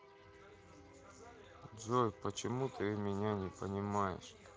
джой почему ты меня не понимаешь